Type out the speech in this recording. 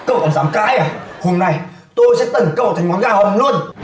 cậu còn dám cãi à hôm nay tôi sẽ tẩn cậu thành món gà hầm luôn